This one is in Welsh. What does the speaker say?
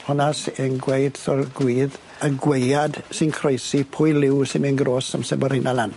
honna sy'n gweud tho'r gwydd y gwaead sy'n croesi pwy liw sy'n myn' grôs amser bo' rheina lan.